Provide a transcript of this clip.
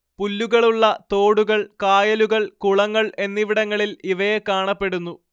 പുല്ലുകളുള്ള തോടുകൾ കായലുകൾ കുളങ്ങൾ എന്നിവിടങ്ങളിൽ ഇവയെ കാണപ്പെടുന്നു